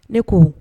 Ne ko